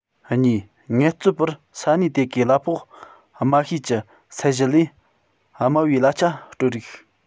གཉིས ངལ རྩོལ པར ས གནས དེ གའི གླ ཕོགས དམའ ཤོས ཀྱི ཚད གཞི ལས དམའ བའི གླ ཆ སྤྲོད རིགས